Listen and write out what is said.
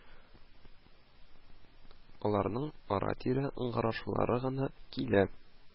Аларның ара-тирә ыңгырашулары гына килә